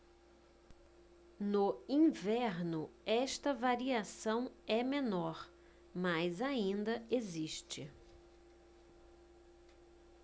no inverno esta variação é menor mas ainda existe